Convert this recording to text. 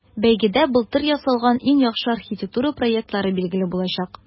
Бәйгедә былтыр ясалган иң яхшы архитектура проектлары билгеле булачак.